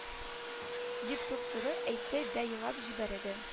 Дип туп-туры әйтте дә елап җибәрде